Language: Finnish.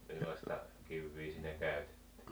minkälaista kiviä siinä käytettiin